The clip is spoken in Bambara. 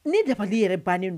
Ni dafali yɛrɛ bannen don